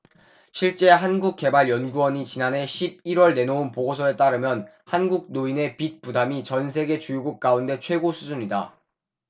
실제 한국개발연구원이 지난해 십 일 월 내놓은 보고서에 따르면 한국 노인의 빚 부담이 전 세계 주요국 가운데 최고 수준이다